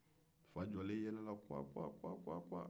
fa jɔlen yɛlɛla kuwa kuwa kuwa